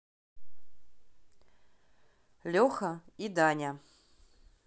леха и даня